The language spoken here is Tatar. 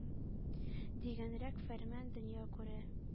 Дигәнрәк фәрман дөнья күрә.